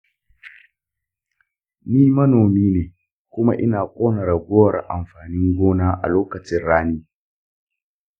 ni manomi ne kuma ina kona ragowar amfanin gona a lokacin rani.